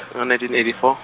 ngo- nineteen eighty four.